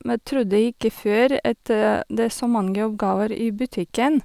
me Trodde ikke før at det er så mange oppgaver i butikken.